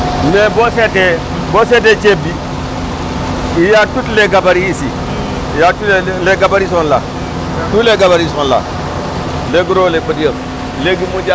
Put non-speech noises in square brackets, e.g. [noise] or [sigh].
mais boo seetee boo seetee ceeb bi [noise] il y' a toutes les gabaries ici y' a [hesitation] les gabaries sont là tous les gabaries sont là [noise] les gros les petits et [noise]